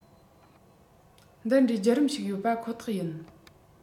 འདི འདྲའི བརྒྱུད རིམ ཞིག ཡོད པ ཁོ ཐག ཡིན